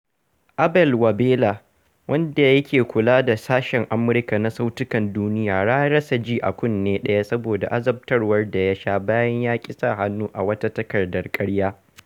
Abel Wabella, wanda yake kula da sashen Amharic na Sautukan Duniya, ya rasa ji a kunne ɗaya saboda azabtarwar da ya sha bayan ya ƙi ya sa hannu a wata takardar ƙarya.